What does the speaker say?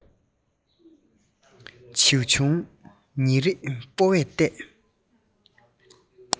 ལྗོན ཤིང གི རིགས ཀྱང ཧ ཅང མང